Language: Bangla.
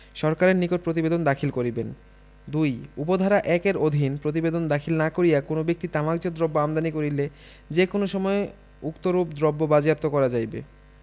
সরকারের নিকট প্রতিবেদন দাখিল করিবেন ২ উপ ধারা ১ এর অধীন প্রতিবেদন দাখিল না করিয়া কোন ব্যক্তি তামাকজাত দ্রব্য আমদানি করিলে যে কোন সময় উক্তরূপ দ্রব্য বাজেয়াপ্ত করা যাইবে